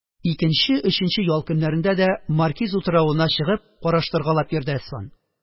Икенче-өченче ял көннәрендә дә Маркиз утравына чыгып, караштыргалап йөрде Әсфан.